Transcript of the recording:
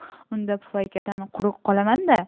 unda pufaykadan quruq qolaman da